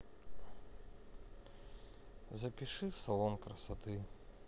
запиши в салон красоты